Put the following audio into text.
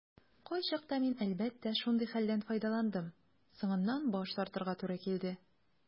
Кайчакта мин, әлбәттә, шундый хәлдән файдаландым - соңыннан баш тартырга туры килде.